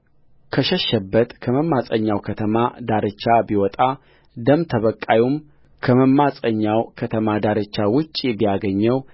ከሸሸበት ከመማፀኛው ከተማ ዳርቻ ቢወጣደም ተበቃዩም ከመማፀኛው ከተማ ዳርቻ ውጭ ቢያገኘው